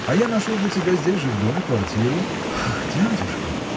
А я нашел для тебя здесь же в доме квартиру. – Ах, дядюшка!